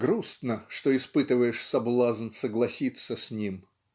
грустно, что испытываешь соблазн согласиться с ним